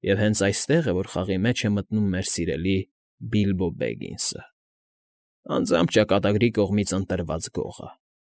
Եվ հենց այստեղ է, որ խաղի մեջ է մտնում մեր սիրելի Բիլբո Բեգինսը՝ անձամբ ճակատագրի կողմից ընտրված գողը։